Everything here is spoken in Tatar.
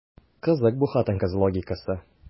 Кызык бу хатын-кыз логикасы.